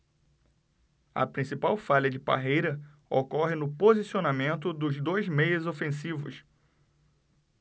a principal falha de parreira ocorre no posicionamento dos dois meias ofensivos